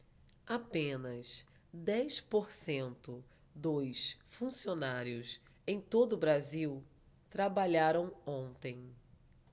apenas dez por cento dos funcionários em todo brasil trabalharam ontem